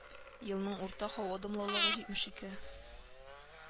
Елның урта һава дымлылыгы җитмеш ике